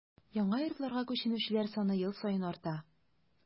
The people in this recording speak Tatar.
Яңа йортларга күченүчеләр саны ел саен арта.